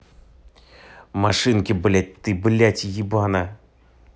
машинки блядь ты блядь ебана